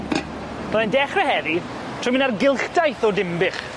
Byddai'n dechre heddi trwy mynd ar gylchdaith o Dinbych.